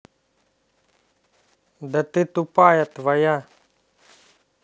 да ты тупая твоя